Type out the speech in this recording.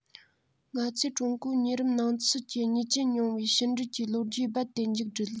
ང ཚོས ཀྲུང གོའི ཉེ རབས ནང ཚུན གྱི བརྙས བཅོས མྱོང བའི ཕྱི འབྲེལ གྱི ལོ རྒྱུས རྦད དེ མཇུག བསྒྲིལ